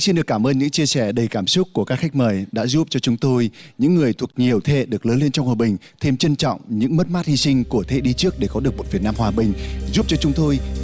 xin được cảm ơn những chia sẻ đầy cảm xúc của các khách mời đã giúp cho chúng tôi những người thuộc nhiều thế hệ được lớn lên trong hòa bình thêm trân trọng những mất mát hi sinh của thế hệ đi trước để có được một việt nam hòa bình giúp cho chúng tôi